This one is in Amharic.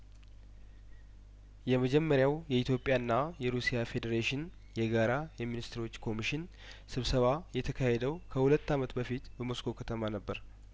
የመጀመሪያው የኢትዮጵያ ና የሩስያ ፌዴሬሽን የጋራ የሚኒስትሮች ኮሚሽን ስብሰባ የተካሄደው ከሁለት አመት በፊት በሞስኮ ከተማ ነበር